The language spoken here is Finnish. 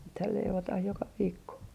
nythän leivotaan joka viikko